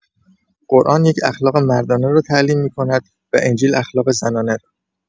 قرآن یک اخلاق مردانه را تعلیم می‌کند و انجیل اخلاق زنانه را